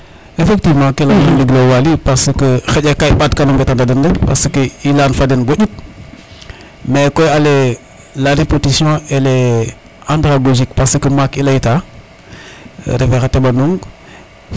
efectivement ke leyona ndigilo Waly parce :far que xaƴa ka i ɓatkano mbetana den rek parce i leayan fa den bo ƴut mais koy ale la repetition elle est endragogie parce que maak i leyta ndefe xa teɓa nong